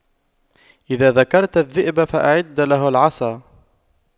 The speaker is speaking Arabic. إذا ذكرت الذئب فأعد له العصا